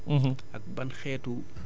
maanaam temps de décomposition bi